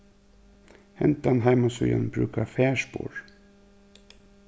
hendan heimasíðan brúkar farspor